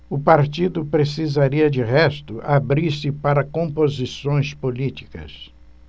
o partido precisaria de resto abrir-se para composições políticas